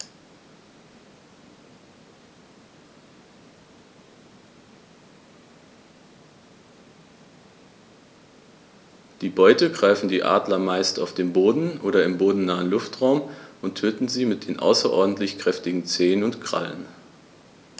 Die Beute greifen die Adler meist auf dem Boden oder im bodennahen Luftraum und töten sie mit den außerordentlich kräftigen Zehen und Krallen.